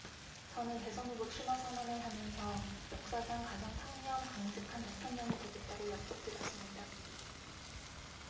저는 대선 후보 출마 선언을 하면서 역사상 가장 청렴 강직한 대통령이 되겠다고 약속 드렸습니다